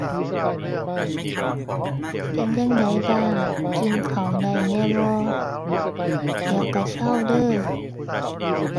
เป็นจั่งใดบ้าง กินข้าวได้แหน่บ่ เดี๋ยวก็เซาเด้อ